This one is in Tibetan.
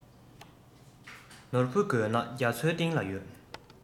ནོར བུ དགོས ན རྒྱ མཚོའི གཏིང ལ ཡོད